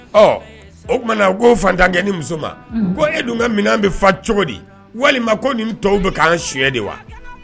Ɔ o kumana ko fantankɛnin muso ma ko e dun ka minɛn bɛ fa cogo di walima ko ni tɔw bɛ kan suɲɛn de wa?